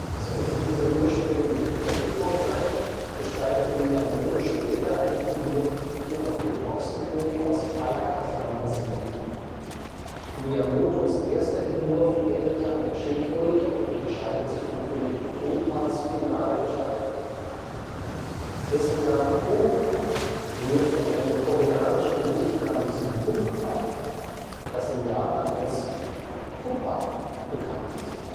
Sollte dieser ursprünglich Donkey Kong sein, gestaltete Miyamoto später eine Figur, die auf dem Ochsen-König aus Alakazam basiert. Miyamotos erster Entwurf ähnelte einer Schildkröte und unterscheidet sich von König Koopas finaler Gestaltung. Dessen Name „ Koopa “rührt von einem koreanischen Gericht namens Gukbap, das in Japan als クッパ, Kuppa, bekannt ist